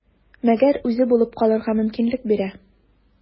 Мәгәр үзе булып калырга мөмкинлек бирә.